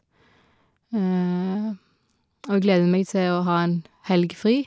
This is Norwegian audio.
Og jeg gleder meg til å ha en helg fri.